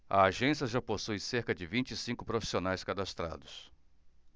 a agência já possui cerca de vinte e cinco profissionais cadastrados